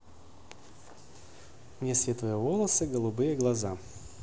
у меня светлые волосы голубые глаза